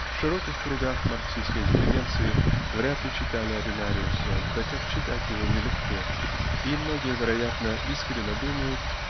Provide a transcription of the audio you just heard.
В широких кругах марксистской интеллигенции вряд ли читали Авенариуса так как читать его не легко и многие вероятно искренно думают